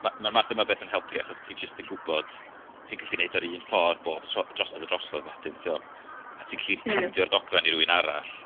ma' ma'r math yma o beth yn helpu achos ti jyst yn gwybod ti'n gallu neud o yr un ffordd bob tro... drosodd a drosodd wedyn tiod a ti'n gallu handio'r ddogfen i rywun arall.